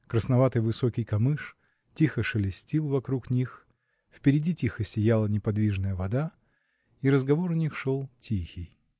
Красноватый высокий камыш тихо шелестил вокруг них, впереди тихо сияла неподвижная вода, и разговор у них шел тихий.